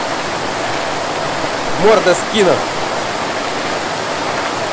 морда скинов